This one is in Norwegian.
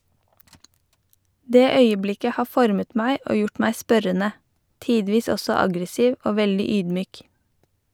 Det øyeblikket har formet meg og gjort meg spørrende, tidvis også aggressiv og veldig ydmyk.